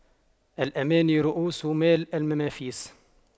الأماني رءوس مال المفاليس